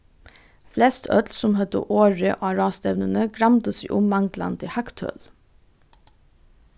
flest øll sum høvdu orðið á ráðstevnuni gramdu seg um manglandi hagtøl